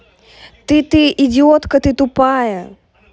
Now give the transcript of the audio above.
ты ты идиотка ты тупая